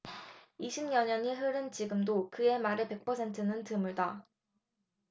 이십 여년이 흐른 지금도 그의 말을 백 퍼센트 는 드물다